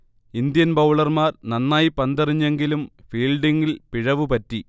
Indian ബൗളർമാർ നന്നായി പന്തെറിഞ്ഞെങ്കിലും ഫീൽഡിങ്ങിൽ പിഴവു പറ്റി